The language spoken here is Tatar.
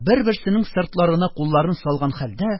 Бер-берсенең сыртларына кулларын салган хәлдә,